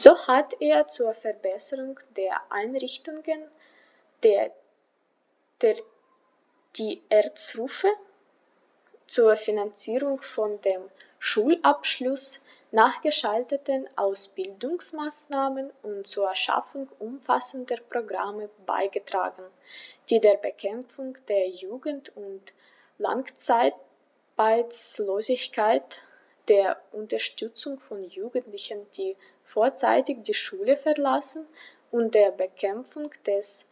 So hat er zur Verbesserung der Einrichtungen der Tertiärstufe, zur Finanzierung von dem Schulabschluß nachgeschalteten Ausbildungsmaßnahmen und zur Schaffung umfassender Programme beigetragen, die der Bekämpfung der Jugend- und Langzeitarbeitslosigkeit, der Unterstützung von Jugendlichen, die vorzeitig die Schule verlassen, und der Bekämpfung des